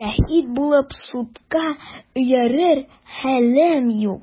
Шаһит булып судка йөрер хәлем юк!